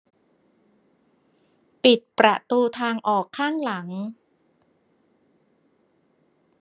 ปิดประตูทางออกข้างหลัง